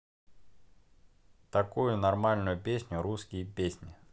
такую нормальную песню русские песни